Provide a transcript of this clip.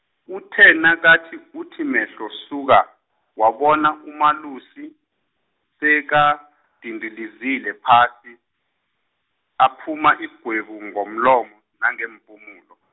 uthe nakathi uthi mehlo suka, wabona uMalusi, sekadindilizile phasi, aphuma igwebu ngomlomo, nangeempumulo.